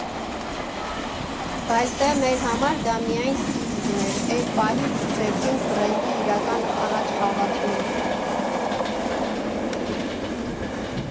Բայց դե մեր համար դա միայն սկիզբն էր, էդ պահից սկսեցինք բրենդի իրական առաջխաղացումը։